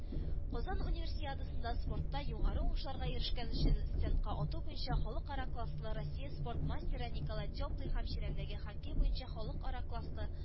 Казан Универсиадасында спортта югары уңышларга ирешкән өчен, стендка ату буенча халыкара класслы Россия спорт мастеры Николай Теплый һәм чирәмдәге хоккей буенча халыкара класслы